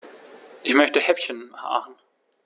Ich möchte Häppchen machen.